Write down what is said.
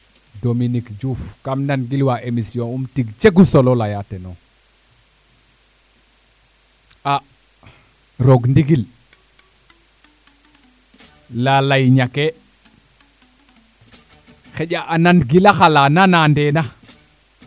Dominique Diouf kam nan gilwa émission um tig cegu solo leya teen a roog ndingil lalay ñake xaƴa a nan gilaxa la nana ndena